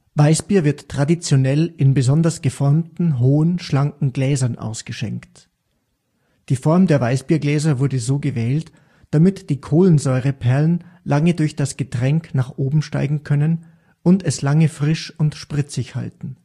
Weißbier wird traditionell in besonders geformten hohen, schlanken Gläsern ausgeschenkt. Die Form der Weißbiergläser wurde so gewählt, damit die Kohlensäureperlen lange durch das Getränk nach oben steigen können und es lange frisch und spritzig halten